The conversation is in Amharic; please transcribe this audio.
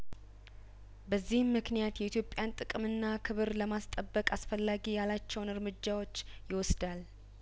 በዚህም ምክንያት የኢትዮጵያን ጥቅምና ክብር ለማስጠበቅ አስፈላጊ ያላቸውን እርምጃዎች ይወስዳል